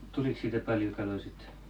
tuliko siitä paljon kaloja sitten